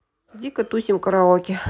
дико тусим караоке